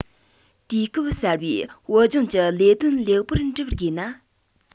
དུས སྐབས གསར བའི བོད ལྗོངས ཀྱི ལས དོན ལེགས པོར འགྲུབ དགོས ན